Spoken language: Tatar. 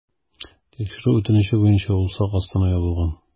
Тикшерү үтенече буенча ул сак астына ябылган.